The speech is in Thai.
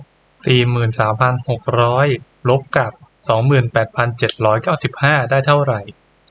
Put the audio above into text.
สี่หมื่นสามพันหกร้อยลบกับสองหมื่นแปดพันเจ็ดร้อยเก้าสิบห้าได้เท่าไร